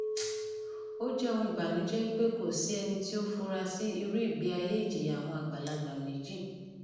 Ó jẹ́ ohun ìbànújẹ́ wípé kò sí ẹni tí ó fura sí irú ìgbé ayé ìjìyà àwọn àgbàlagbà méjì.